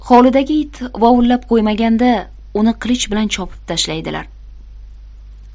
hovlidagi it vovullab qo'ymaganda uni qilich bilan chopib tashlaydilar